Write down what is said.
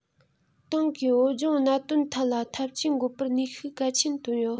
ཏང གིས བོད ལྗོངས གནད དོན ཐད ལ ཐབས ཇུས འགོད པར ནུས ཤུགས གལ ཆེན བཏོན ཡོད